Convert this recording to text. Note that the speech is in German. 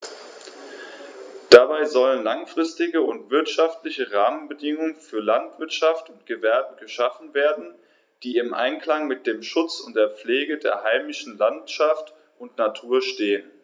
Dabei sollen langfristige und wirtschaftliche Rahmenbedingungen für Landwirtschaft und Gewerbe geschaffen werden, die im Einklang mit dem Schutz und der Pflege der heimischen Landschaft und Natur stehen.